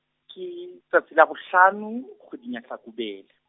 ke tsatsi la bohlano, kgweding ya Hlakubele.